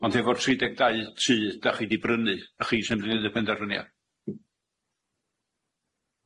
Ond efo'r tri deg dau tŷ dach chi di brynu a chi sy'n myndi neud y penderfyniad?